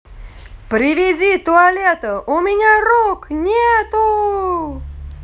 привези туалету у меня рук нету